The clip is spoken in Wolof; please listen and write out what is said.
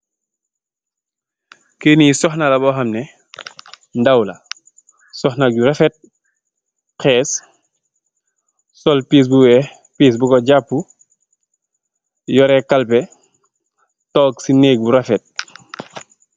Kii ni soxna la boo xam ne, ndaw la. Soxna su rafet, xees, sol piis bu weex, piis bu ko jaapu, yoree kalpeh, toog si nëëk bu rafet.